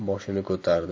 boshini ko'tardi